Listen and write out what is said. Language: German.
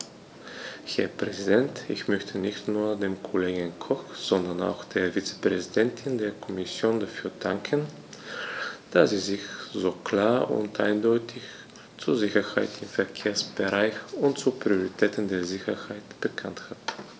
Herr Präsident, ich möchte nicht nur dem Kollegen Koch, sondern auch der Vizepräsidentin der Kommission dafür danken, dass sie sich so klar und eindeutig zur Sicherheit im Verkehrsbereich und zur Priorität der Sicherheit bekannt hat.